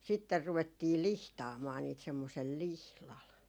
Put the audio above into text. sitten ruvettiin lihtaamaan niitä semmoisella lihdalla